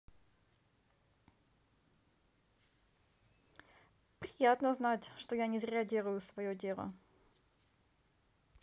приятно знать что я не зря делаю свое дело